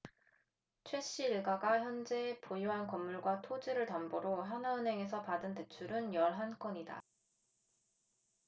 최씨 일가가 현재 보유한 건물과 토지를 담보로 하나은행에서 받은 대출은 열 한 건이다